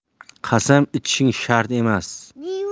qasam ichishingiz shart emas